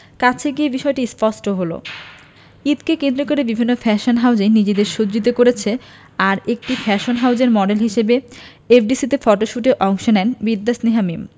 কাছে গিয়ে বিষয়টি স্পষ্ট হলো ঈদকে কেন্দ্র করে বিভিন্ন ফ্যাশন হাউজ নিজেদের সজ্জিত করছে আর একটি ফ্যাশন হাউজের মডেল হিসেবে এফডিসি তে ফটোশ্যুটে অংশ নেন বিদ্যা সিনহা মীম